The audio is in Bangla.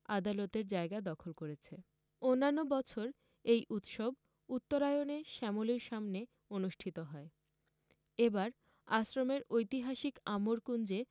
আদালতের জায়গা দখল করেছে অন্যান্য বছর এই উৎসব উত্তরায়ণে শ্যামলীর সামনে অনুষ্ঠিত হয় এ বার আশ্রমের ঐতিহাসিক আমরকূঞ্জে